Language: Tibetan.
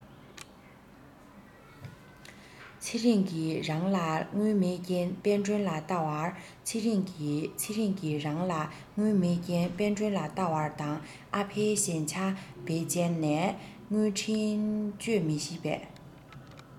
ཚེ རིང གི རང ལ དངུལ མེད རྐྱེན དཔལ སྒྲོན ལ བལྟ བར ཚེ རིང གི ཚེ རིང གི རང ལ དངུལ མེད རྐྱེན དཔལ སྒྲོན ལ བལྟ བར དང ཨ ཕའི གཞན ཆ བེད སྤྱད ནས དངུལ འཕྲིན སྤྱོད མི ཤེས པས